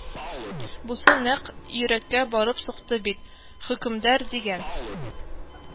Бусы нәкъ йөрәккә барып сукты бит, хөкемдарª,ó дигәнª